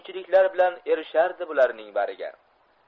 qiyinchiliklar bilan erishardi bularning bariga